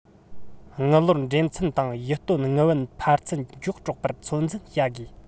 དངུལ ལོར འགྲེམས ཚད དང ཡིད རྟོན དངུལ བུན འཕར ཚད མགྱོགས དྲགས པར ཚོད འཛིན བྱ དགོས